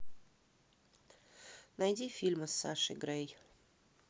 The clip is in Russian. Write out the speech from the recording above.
найди фильмы с сашей грей